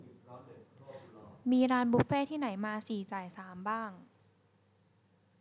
มีร้านบุฟเฟต์ที่ไหนมาสี่จ่ายสามบ้าง